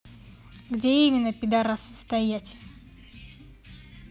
где именно пидарас состоять